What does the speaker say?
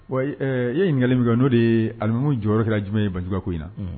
Wa e yekalimi n'o de ye alilimamu jɔyɔrɔ kɛra jumɛn ye basiba ko in na